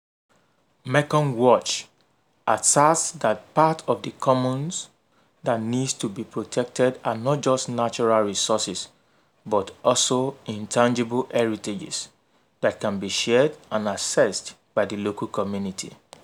Mekong Watch asserts that part of the commons that need to be protected are not just natural resources but also "intangible heritages" that can be shared and accessed by the local community.